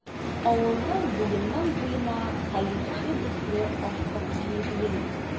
Авылның буеннан-буена хәерче төсле ашлык җыеп йөри.